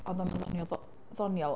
Oedd o'm yn ddoniol, ddoniol.